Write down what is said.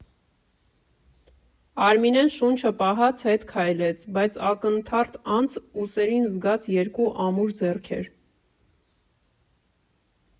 Արմինեն շունչը պահած հետ քայլեց, բայց ակնթարթ անց ուսերին զգաց երկու ամուր ձեռքեր։